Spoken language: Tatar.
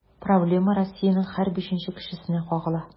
Проблема Россиянең һәр бишенче кешесенә кагыла.